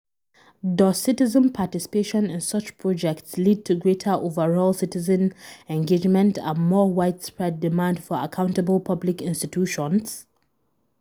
Does citizen participation in such projects lead to greater overall citizen engagement and more widespread demand for accountable public institutions?